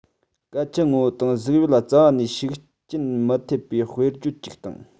གལ ཆེན ངོ བོ དང གཟུགས དབྱིབས ལ རྩ བ ནས ཤུགས རྐྱེན མི ཐེབས པའི དཔེར བརྗོད ཅིག ཡིན